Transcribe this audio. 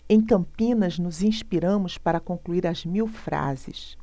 em campinas nos inspiramos para concluir as mil frases